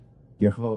Diolch yn fowr...